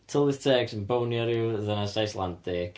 Tylwyth teg sy'n bownio ryw ddynes Icelandic.